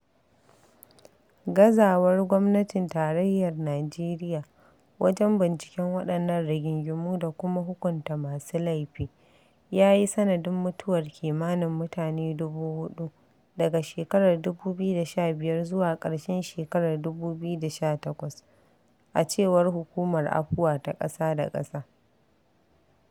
Gazawar gwamnatin tarayyar Nijeriya wajen binciken waɗannan rigingimu da kuma hukunta masu laifi "ya yi sanadin mutuwar kimanin mutane 4,000 daga shekarar 2015 zuwa ƙarshen shekarar 2018, a cewar Hukumar Afuwa ta ƙasa da ƙasa.